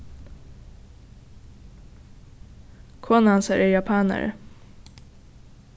kona hansara er japanari